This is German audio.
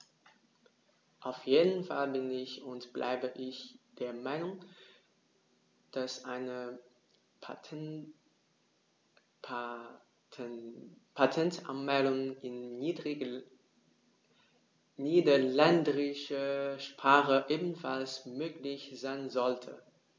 Auf jeden Fall bin - und bleibe - ich der Meinung, dass eine Patentanmeldung in niederländischer Sprache ebenfalls möglich sein sollte.